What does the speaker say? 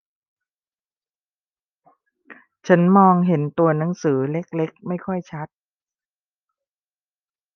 ฉันมองเห็นตัวหนังสือเล็กเล็กไม่ค่อยชัด